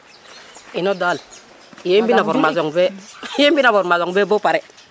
ino dal ye i mbi na ye i mbina formation fe bo pare